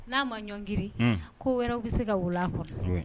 N'a ma ɲɔngiri, un, ko wɛrɛw bɛ se ka wolo a kɔnɔ, oui